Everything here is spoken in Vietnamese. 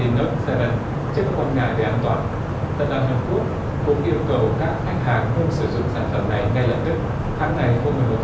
nốt se vừn trước các quan ngại về an toàn tập đoàn hàn quốc cũng yêu cầu các khách hàng ngưng sử dụng sản phẩm này ngay lập tức hãng này hôm mười một